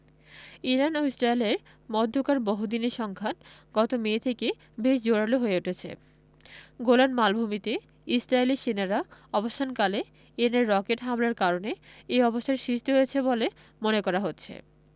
Iran ও ইসরায়েলের মধ্যকার বহুদিনের সংঘাত গত মে থেকে বেশ জোরালো হয়ে উঠেছে গোলান মালভূমিতে ইসরায়েলি সেনারা অবস্থানকালে ইরানের রকেট হামলার কারণে এ অবস্থার সৃষ্টি হয়েছে বলে মনে করা হচ্ছে